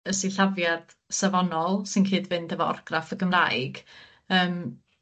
y sillafiad safonol sy'n cyd-fynd efo orgraff y Gymraeg yym